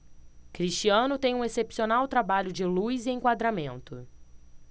cristiano tem um excepcional trabalho de luz e enquadramento